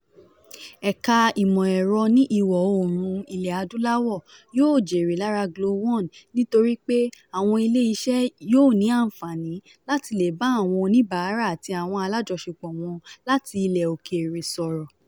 Ẹ̀ka ìmọ̀ ẹ̀rọ ní Ìwọ Oòrùn Ilẹ̀ Adúláwò yóò jèrè lára Glo-1 nítorí pé àwọn ilé iṣẹ́ yóò ní àǹfààní láti le bá àwọn oníbàárà àti àwọn alájọṣepọ̀ wọn láti ilẹ̀ òkèèrè sọ̀rọ̀.